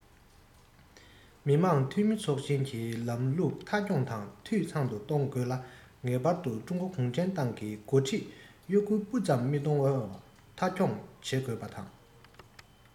མི དམངས འཐུས མི ཚོགས ཆེན གྱི ལམ ལུགས མཐའ འཁྱོངས དང འཐུས ཚང དུ གཏོང དགོས ན ངེས པར དུ ཀྲུང གོ གུང ཁྲན ཏང གི འགོ ཁྲིད གཡོ འགུལ སྤུ ཙམ མི གཏོང བར མཐའ འཁྱོངས བྱེད དགོས པ དང